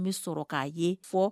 Mi sɔrɔ k'a ye